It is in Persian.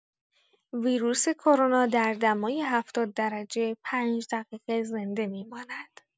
ویروس کرونا در دمای ۷۰ درجه پنج دقیقه زنده می‌ماند.